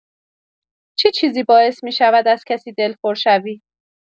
چه چیزی باعث می‌شود از کسی دلخور شوی؟